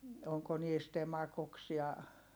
onko niistä emakoiksi ja